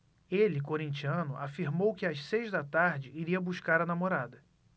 ele corintiano afirmou que às seis da tarde iria buscar a namorada